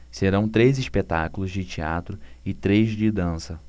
serão três espetáculos de teatro e três de dança